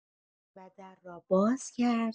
و در را باز کرد.